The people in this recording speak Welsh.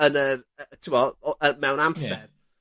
yn y, yy ti'mo' o yy mewn amser. Ie.